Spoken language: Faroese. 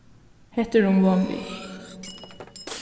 hetta er hon von við